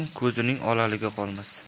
ko'zining olaligi qolmas